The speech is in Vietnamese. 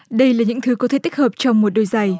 đây là những thứ có thể tích hợp cho một đôi giày